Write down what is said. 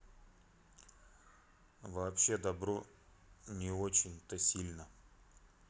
вообще добро не очень то сильно